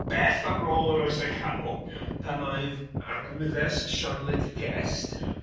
Bell ar ôl yr Oesau Canol pan oedd Arglwyddes Charlotte Guest...